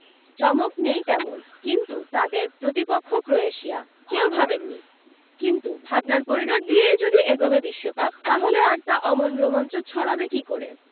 চমক নেই তেমন কিন্তু তাদের প্রতিপক্ষ ক্রোয়েশিয়া কেউ ভাবেননি কিন্তু ভাবনার করিডর দিয়েই যদি এগোবে বিশ্বকাপ তাহলে আর তা অমন রোমাঞ্চ ছড়াবে কী করে